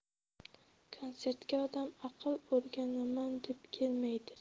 konsertga odam aql o'rganaman deb kelmaydi